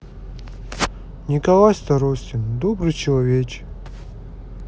николай старостин добрый человече